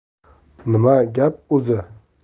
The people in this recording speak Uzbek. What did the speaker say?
nima gap o'zi